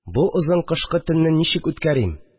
Бу озын кышкы төнне ничек үткәрим